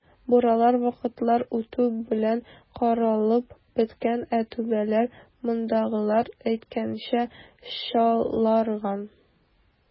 Буралар вакытлар үтү белән каралып беткән, ә түбәләр, мондагылар әйткәнчә, "чаларган".